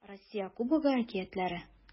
Россия Кубогы әкиятләре